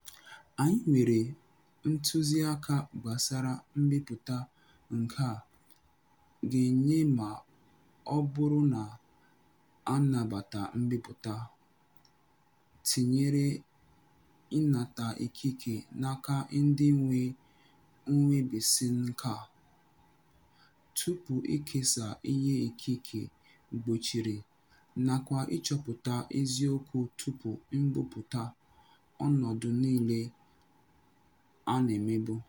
Anyị nwere ntụziaka gbasara mbipụta nke a ga-enye ma ọ bụrụ na a nabata mbipụta, tinyere ịnata ikike n'aka ndị nwe nnwebisiinka tupu ikesa ihe ikike gbochiri, nakwa ịchọpụta eziokwu tupu mbipụta - ọnọdụ niile a na-emebu.